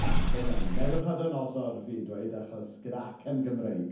Wel, dyna ni. Nebiwchadynosor, fi'n dweud, achos gyda acen Gymreig!